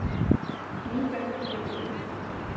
Мин бәхетле бүген!